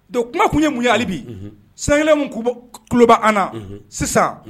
Don kuma tun ye mun hali bi san kelenmu kuba an na sisan